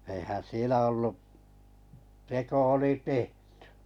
eihän siellä ollut teko oli tehty